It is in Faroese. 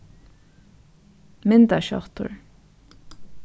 myndaskjáttur